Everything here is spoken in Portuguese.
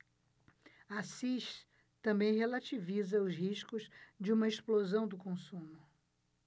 assis também relativiza os riscos de uma explosão do consumo